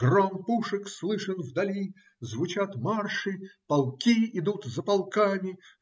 Гром пушек слышен вдали; звучат марши; полки идут за полками.